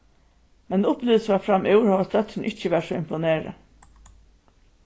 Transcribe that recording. men upplivilsið var framúr hóast dóttirin ikki var so imponerað